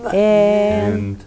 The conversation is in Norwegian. ein.